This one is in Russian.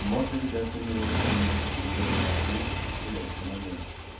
Можно ли дать на него какой-нибудь определенный ответ в настоящий момент?